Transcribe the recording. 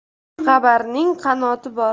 xushxabaming qanoti bor